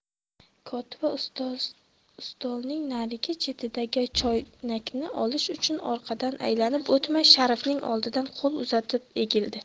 kotiba ustolning narigi chetidagi choynakni olish uchun orqadan aylanib o'tmay sharifning oldidan qo'l uzatib egildi